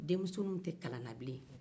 denmusoninw tɛ kalan na bilen